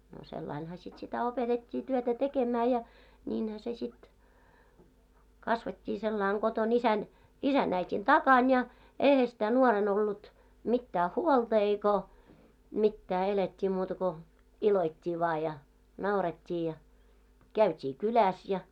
no sillä laillahan sitten sitä opetettiin työtä tekemään ja niinhän se sitten kasvettiin sillä lailla kotona isän isän äidin takana ja eihän sitä nuorena ollut mitään huolta eikä mitään elettiin muuta kuin iloittiin vain ja naurettiin ja käytiin kylässä ja